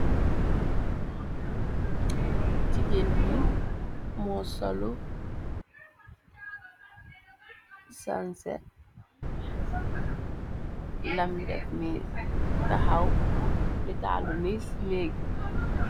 Jigeén bi mo sollu ,sanseh. Lam def ni taxaw , netallu ni ci negge.